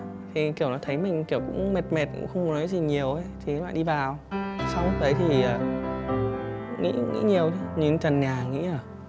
thì kiểu nó thấy mình cũng mệt mệt cũng không nói gì nhiều ý thì nó lại đi vào xong lúc đấy thì nghĩ nhiều nhìn trần nhà nghĩ là